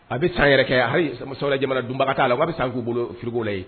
A bɛ san yɛrɛ kɛ hali masajamana donbaga'a la wa a bɛ san bolola yen